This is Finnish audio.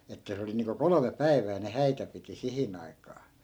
että se oli niin kuin kolme päivää ne häitä piti siihen aikaan